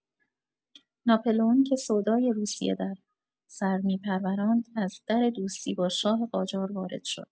ناپلئون که سودای روسیه در سر می‌پروراند، از در دوستی با شاه قاجار وارد شد.